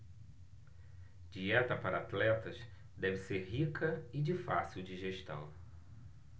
dieta para atletas deve ser rica e de fácil digestão